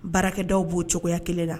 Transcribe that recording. Baarakɛdaw b'o cogoya kelen na